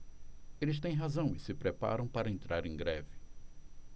eles têm razão e se preparam para entrar em greve